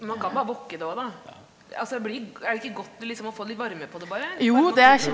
man kan bare wokke det óg da altså blir er det ikke godt å liksom å få litt varme på det bare ?